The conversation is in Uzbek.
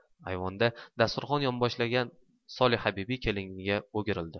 ayvonda dasturxon yozaboshlagan solihabibi keliniga o'girildi